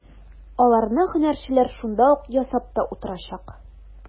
Аларны һөнәрчеләр шунда ук ясап та утырачак.